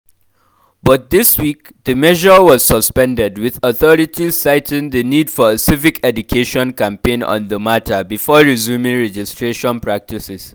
But this week, the measure was suspended, with authorities citing the need for a “civic education” campaign on the matter before resuming registration practices.